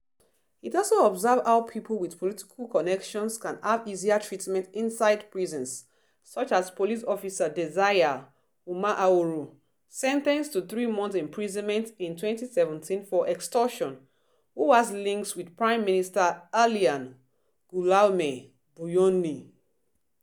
It also observed how people with political connections can have easier treatment inside prisons, such as police officer Désiré Uwamahoro — sentenced to three months imprisonment in 2017 for extortion — who has links with Prime Minister Alain Guillaume Bunyoni.